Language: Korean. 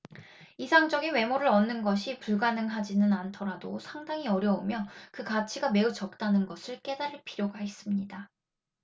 이상적인 외모를 얻는 것이 불가능하지는 않더라도 상당히 어려우며 그 가치가 매우 적다는 것을 깨달을 필요가 있습니다